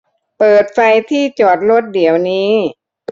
เปิดไฟที่จอดรถเดี๋ยวนี้